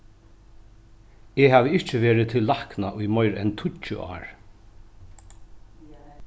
eg havi ikki verið til lækna í meira enn tíggju ár